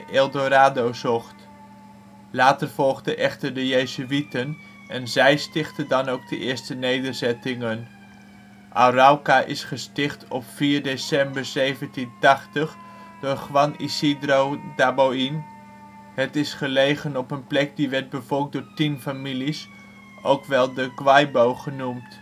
El Dorado zocht. Later volgden echter de Jezuïten en zij stichtten dan ook de eerste nederzettingen. Arauca is gesticht op 4 december 1780 door Juan Isidro Daboín. Het is gelegen op een plek die werd bevolkt door tien families, ook wel de Guahibo genoemd